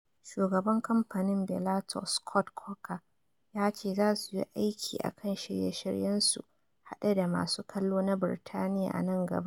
Shugaban kamfanin Bellator, Scott Coker, ya ce za su yi aiki a kan shirye-shiryen su hade da masu kallo na Birtaniya a nan gaba.